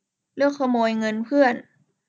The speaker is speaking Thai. เลือกขโมยเงินเพื่อน